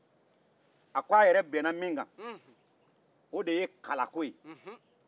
a ko a' yɛrɛ bɛnna min kan o de ye kalako ye